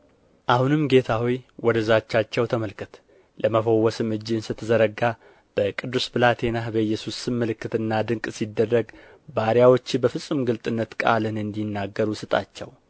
አሁንም ጌታ ሆይ ወደ ዛቻቸው ተመልከት ለመፈወስም እጅህን ስትዘረጋ በቅዱስ ብላቴናህም በኢየሱስ ስም ምልክትና ድንቅ ሲደረግ ባሪያዎችህ በፍጹም ግልጥነት ቃልህን እንዲናገሩ ስጣቸው